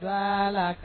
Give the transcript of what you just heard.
Bala